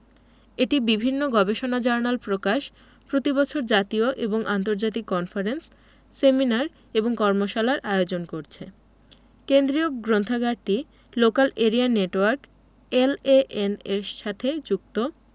এটি বিভিন্ন গবেষণা জার্নাল প্রকাশ প্রতি বছর জাতীয় এবং আন্তর্জাতিক কনফারেন্স সেমিনার এবং কর্মশালার আয়োজন করছে কেন্দ্রীয় গ্রন্থাগারটি লোকাল এরিয়া নেটওয়ার্ক এলএএন এর সাথে যুক্ত